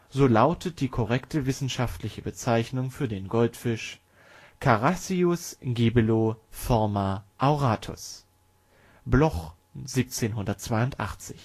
So lautet die korrekte wissenschaftliche Bezeichnung für den Goldfisch Carassius gibelio forma auratus (Bloch, 1782